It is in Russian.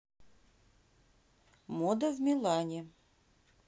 мода в милане